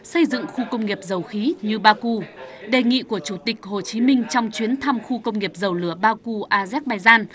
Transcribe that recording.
xây dựng khu công nghiệp dầu khí như ba cu đề nghị của chủ tịch hồ chí minh trong chuyến thăm khu công nghiệp dầu lửa ba cu a déc bai dan